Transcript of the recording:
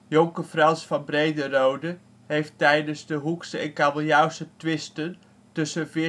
Jonker Frans (van Brederode) heeft tijdens de Hoekse en Kabeljauwse twisten tussen 1488-1490